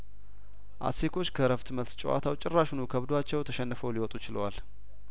አሴኮች ከእረፍት መልስ ጨዋታው ጭራ ሽኑ ከብዷቸው ተሸንፈው ሊወጡ ችለዋል